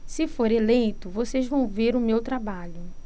se for eleito vocês vão ver o meu trabalho